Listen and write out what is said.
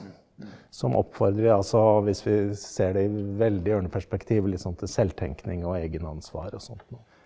som oppfordrer altså hvis vi ser det i veldig ørneperspektiv liksom til selvtenkning og egenansvar og sånt noe.